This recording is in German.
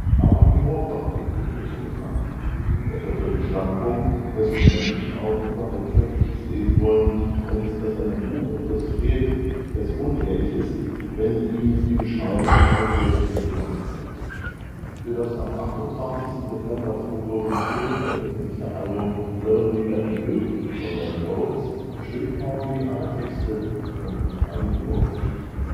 aber humorvollen Blickwinkel zu betrachten. Er vertritt den Standpunkt, dass die Menschen auch über Alltägliches lesen wollen und dass einem Buch etwas fehlt, es unehrlich ist, wenn ihm die Beschreibung des Alltäglichen genommen wird. Für das am 28. September 2010 veröffentlichte Album Lonely Avenue von Ben Folds schrieb Hornby alle Songtexte und einige Kurzgeschichten